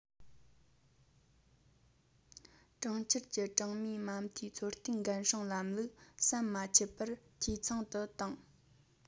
གྲོང ཁྱེར གྱི གྲོང མིའི མ མཐའི འཚོ རྟེན འགན སྲུང ལམ ལུགས ཟམ མ ཆད པར འཐུས ཚང དུ བཏང